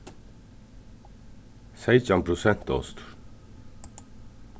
seytjan prosent ostur